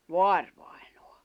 vaarivainaja